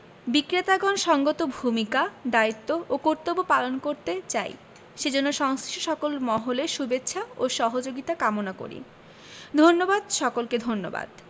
বিক্রেতাগণ সঙ্গত ভূমিকা দায়িত্ব ও কর্তব্য পালন করতে চাই সেজন্য সংশ্লিষ্ট সকল মহলের শুভেচ্ছা ও সহযোগিতা কামনা করি ধন্যবাদ সকলকে ধন্যবাদ